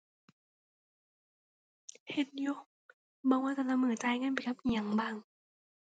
เฮ็ดอยู่ เบิ่งว่าแต่ละมื้อจ่ายเงินไปกับอิหยังบ้าง